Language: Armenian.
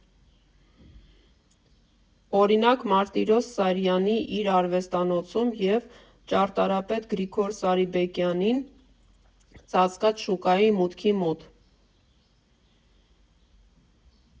Օրինակ՝ Մարտիրոս Սարյանին իր արվեստանոցում և ճարտարապետ Գրիգոր Աղաբաբյանին Ծածկած շուկայի մուտքի մոտ։